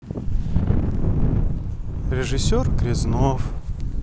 режиссер грязнов